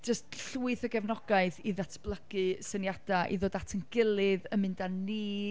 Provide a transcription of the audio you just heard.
Jyst llwyth o gefnogaeth i ddatblygu syniadau, i ddod at ein gilydd, yn mynd â ni...